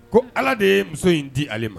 Ko ala de ye muso in di ale ma